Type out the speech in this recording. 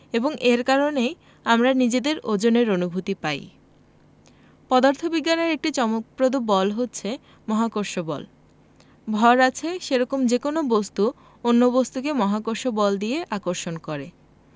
এবং এর কারণেই আমরা নিজেদের ওজনের অনুভূতি পাই পদার্থবিজ্ঞানের একটি চমকপ্রদ বল হচ্ছে মহাকর্ষ বল ভর আছে সেরকম যেকোনো বস্তু অন্য বস্তুকে মহাকর্ষ বল দিয়ে আকর্ষণ করে